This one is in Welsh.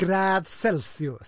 Gradd Celsiws.